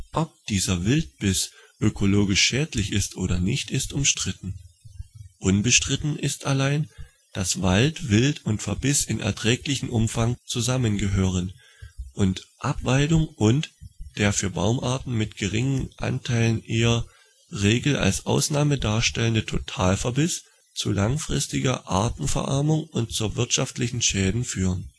Ob dieser Wildverbiss ökologisch schädlich ist oder nicht, ist umstritten. Unbestritten ist allein, dass Wald, Wild und Verbiss in erträglichem Umfang zusammengehören, und Abweidung und - der für Baumarten mit geringen Anteilen eher Regel als Ausnahme darstellende - Totalverbiss zu langfristiger Artenverarmung und zu wirtschaftlichen Schäden) führen